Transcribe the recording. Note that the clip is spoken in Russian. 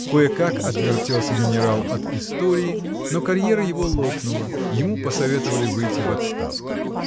Кое-как отвертелся генерал от истории, но карьера его лопнула: ему посоветовали выйти в отставку.